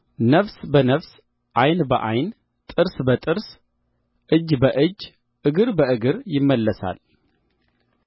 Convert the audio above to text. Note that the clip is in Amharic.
ነፍስ በነፍስ ዓይን በዓይን ጥርስ በጥርስ እጅ በእጅ እግር በእግር ይመለሳል